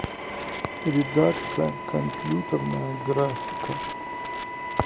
редакция компьютерная графика